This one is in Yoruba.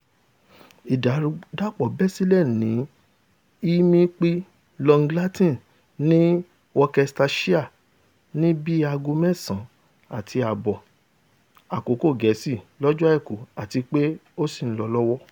Ìdàrúdàpọ̀ bẹ́ sílẹ̀ ní HMP Long Lartin ní Worcestershire ní bíi aago mẹ́ẹ̀sán àti ààbọ̀ Àkókò Gẹ̀ẹ́sì lọ́jọ́ Àìkú àtipé ó sì ńlọ lọ́wọ́.